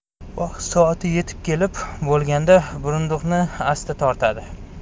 vaqti soati yetib lozim bo'lganda burunduqni asta tortadi